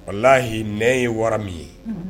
Wala lahi nɛ ye wara min ye